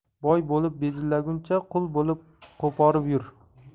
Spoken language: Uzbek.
boy bo'lib bezillaguncha qul bo'lib qo'porib yur